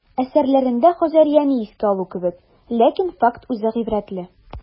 Әсәрләрендә Хазарияне искә алу кебек, ләкин факт үзе гыйбрәтле.